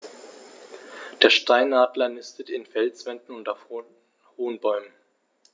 Der Steinadler nistet in Felswänden und auf hohen Bäumen.